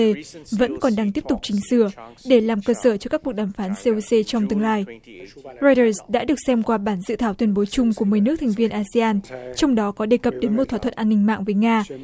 vẫn còn đang tiếp tục chỉnh sửa để làm cơ sở cho các cuộc đàm phán cê ô cê trong tương lai roai đờ đã được xem qua bản dự thảo tuyên bố chung của mười nước thành viên a si an trong đó có đề cập đến một thỏa thuận an ninh mạng với nga